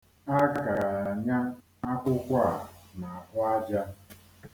A ga-anya akwụkwọ a n'ahụ aja.